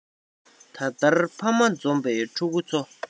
ད ལྟར ཕ མ འཛོམས པའི ཕྲུ གུ ཚོ